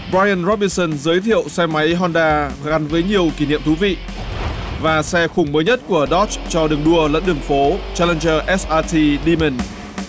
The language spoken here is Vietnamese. boi ừn róp bi sừn giới thiệu xe máy hon đa gắn với nhiều kỷ niệm thú vị và xe khủng mới nhất của đót cho đường đua lẫn đường phố che lừn dơ ét a ti đi mừn